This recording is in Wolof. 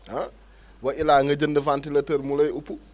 ah wa illaa nga jënd ventilateur mu lay uppu